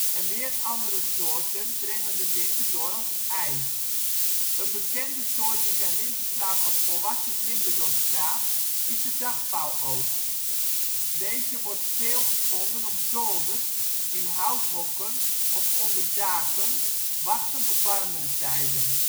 en weer andere soorten brengen de winter door als ei. Een bekende soort die zijn winterslaap als volwassen vlinder doorstaat, is de dagpauwoog. Deze wordt veel gevonden op zolders, in houthokken of onder daken, wachtend op warmere tijden